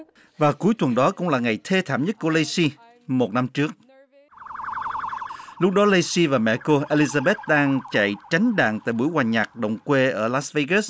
và cuối tuần đó cũng là ngày thê thảm nhất của lay xi một năm trước lúc đó lay xi và mẹ cô e li gia bét đang chạy tránh đạn từ buổi hòa nhạc đồng quê ở lát vê gứt